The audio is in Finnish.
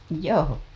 joo